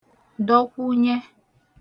dọkwụnyẹ